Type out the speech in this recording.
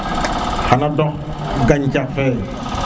xana dox gacax fe